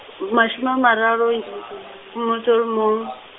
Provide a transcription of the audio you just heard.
m- mashome a mararo , le motso o le mong.